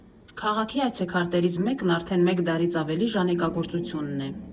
Քաղաքի այցեքարտերից մեկն արդեն մեկ դարից ավելի ժանեկագործությունն է։